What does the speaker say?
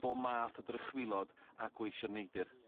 bo' math o drychfilod a gweision neidyr.